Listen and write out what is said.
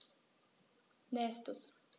Nächstes.